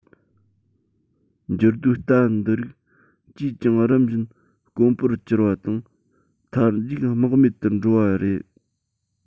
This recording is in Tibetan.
འགྱུར རྡོའི རྟ འདི རིགས ཅིས ཀྱང རིམ བཞིན དཀོན པོར གྱུར པ དང མཐར མཇུག རྨེག མེད དུ འགྲོ བ རེད